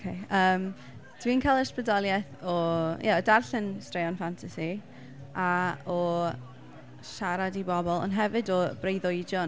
Ok yym dwi'n cael ysbrydoliaeth o ie o darllen straeon ffantasi, a o siarad i bobl, ond hefyd o breuddwydion.